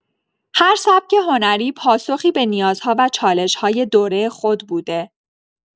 هر سبک هنری پاسخی به نیازها و چالش‌های دوره خود بوده.